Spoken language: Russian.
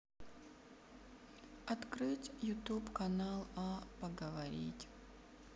открыть ютуб канал а поговорить